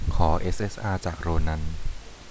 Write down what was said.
ขอเอสเอสอาจากโรนัน